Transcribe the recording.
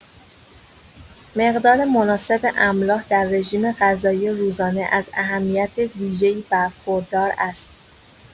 مقدار مناسب املاح در رژیم‌غذایی روزانه از اهمیت ویژه‌ای برخوردار است.